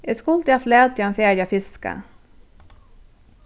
eg skuldi havt latið hann farið at fiska